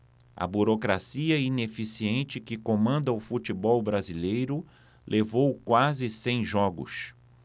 a burocracia ineficiente que comanda o futebol brasileiro levou quase cem jogos